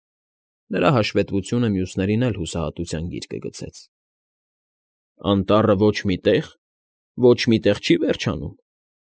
Նրա հաշվետվությունը մյուսներին էլ հուսահատության գիրկը գցեց։ ֊ Անտառը ոչ մի տեղ, ոչ մի տեղ չի վերջանում։